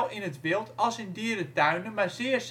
in het wild als in dierentuinen maar zeer